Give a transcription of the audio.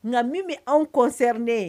Nka min bɛ anw concerner ne